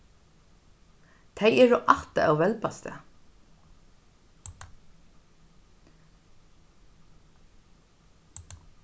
tey eru ættað av velbastað